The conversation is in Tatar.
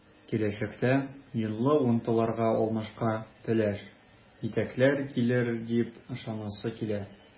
Киләчәктә “йонлы” унтыларга алмашка “пеләш” итекләр килер дип ышанасы килә.